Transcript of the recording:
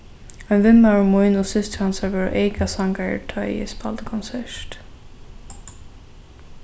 ein vinmaður mín og systir hansara vóru eykasangarar tá ið eg spældi konsert